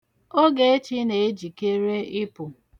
Ogechi na-ejikere ịpụ.